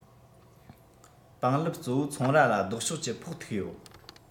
པང ལེབ གཙོ བོ ཚོང ར ལ ལྡོག ཕྱོགས ཀྱི ཕོག ཐུག ཡོད